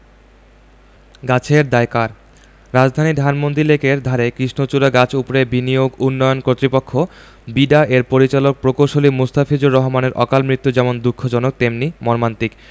গাছের দায় কার রাজধানীর ধানমন্ডি লেকের ধারে কৃষ্ণচূড়া গাছ উপড়ে বিনিয়োগ উন্নয়ন কর্তৃপক্ষ বিডা এর পরিচালক প্রকৌশলী মোস্তাফিজুর রহমানের অকালমৃত্যু যেমন দুঃখজনক তেমনি মর্মান্তিক